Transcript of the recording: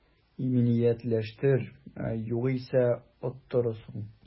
Иминиятләштер, югыйсә оттырасың